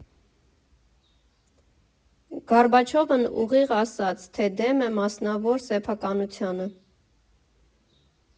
Գորբաչովն ուղիղ ասաց, թե դեմ է մասնավոր սեփականությանը։